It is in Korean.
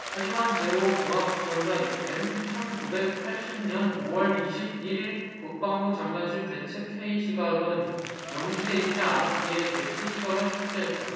하지만 제 오 공화국전사 엔 천 구백 팔십 년 오 월 이십 일 일 국방부 장관실 대책회의 시각은 명시돼 있지 않았기에 개최 시각을 삭제했다